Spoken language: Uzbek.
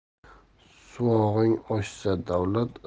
sovug'ing oshsa davlat